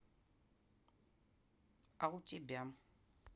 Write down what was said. а у тебя